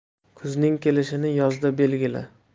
kuzning kelishini yozda belgila